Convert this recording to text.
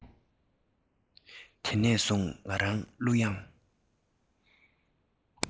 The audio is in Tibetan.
དེ ནས བཟུང ང རང གླུ དབྱངས